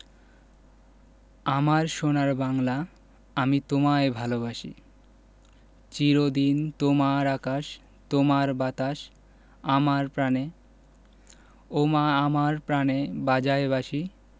আমার সোনার বাংলা আমি তোমায় ভালোবাসি চির দিন তোমার আকাশ তোমার বাতাস আমার প্রাণে ওমা আমার প্রানে বাজায় বাঁশি